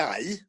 dau